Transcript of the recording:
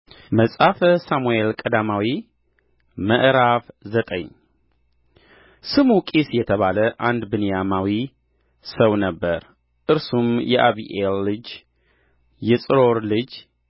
መጽሐፈ ሳሙኤል ቀዳማዊ ምዕራፍ ዘጠኝ ስሙ ቂስ የተባለ አንድ ብንያማዊ ሰው ነበረ እርሱም የአቢኤል ልጅ የጽሮር ልጅ